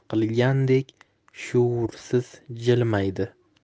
qilgandek shuursiz jilmaydi